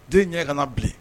Den ɲɛ kana na bilen